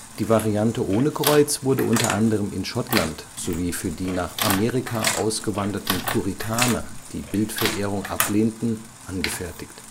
Die Variante ohne Kreuz wurde unter anderem in Schottland sowie für die nach Amerika auswandernden Puritaner, die Bilderverehrung ablehnten, angefertigt